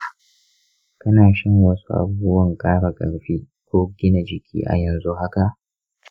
kana shan wasu abubuwan ƙara ƙarfi/gina jiki a yanzu haka?